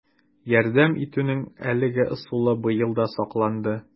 Ярдәм итүнең әлеге ысулы быел да сакланды: